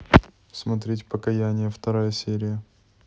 смотреть покаяние вторая серия